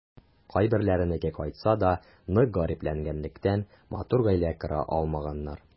Кайберләренеке кайтса да, нык гарипләнгәнлектән, матур гаилә кора алмаганнар.